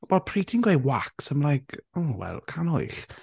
Wel pryd ti'n dweud wax I'm like oh well cannwyll.